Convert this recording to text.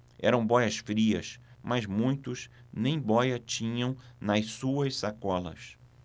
eram bóias-frias mas muitos nem bóia tinham nas suas sacolas